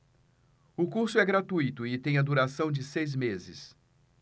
o curso é gratuito e tem a duração de seis meses